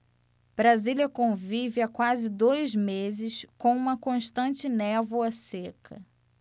brasília convive há quase dois meses com uma constante névoa seca